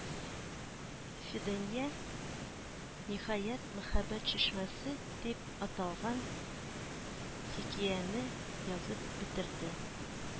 Фидания, ниһаять, "Мәхәббәт чишмәсе" дип аталган хикәяне язып бетерде.